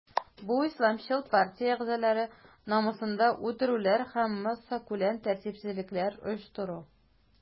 Бу исламчыл партия әгъзалары намусында үтерүләр һәм массакүләм тәртипсезлекләр оештыру.